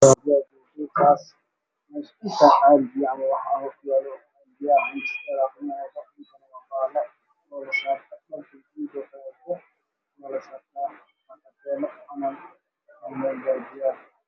Waa meel uu katagan yahay boor isoo kale waxaa kuyaala geedo cagaaran